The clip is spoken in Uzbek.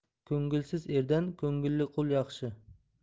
ko'ngilsiz erdan ko'ngilli qui yaxshi